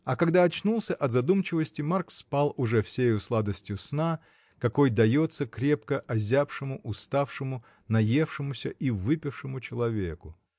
А когда очнулся от задумчивости, Марк спал уже всею сладостью сна, какой дается крепко озябшему, уставшему, наевшемуся и выпившему человеку.